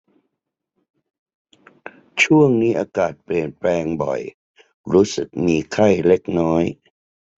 ช่วงนี้อากาศเปลี่ยนแปลงบ่อยรู้สึกมีไข้เล็กน้อย